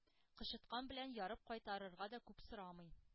Кычыткан белән ярып кайтарырга да күп сорамый.